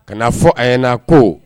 Kana fɔ a ye na ko